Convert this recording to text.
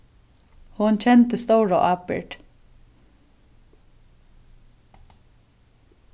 hon kendi stóra ábyrgd